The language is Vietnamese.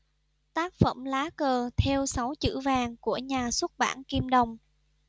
tác phẩm lá cờ thêu sáu chữ vàng của nhà xuất bản kim đồng